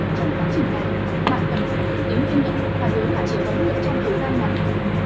trong quá trình này bạn cần giữ vững tính kiên nhẫn và nhớ là chỉ huấn luyện trong thời gian ngắn